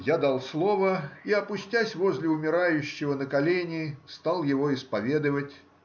Я дал слово и, опустясь возле умирающего на колени, стал его исповедовать